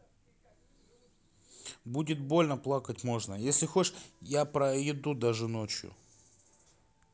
будет больно плакать можно если хочешь я про еду даже ночью